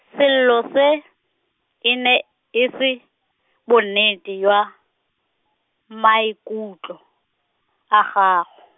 selo se, e ne e se, bonnete jwa, maikutlo, a gag- .